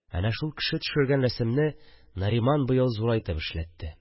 Әнә шул кеше төшергән рәсемне Нариман быел зурайтып эшләтте